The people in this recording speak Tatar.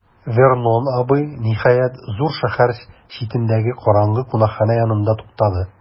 Вернон абый, ниһаять, зур шәһәр читендәге караңгы кунакханә янында туктады.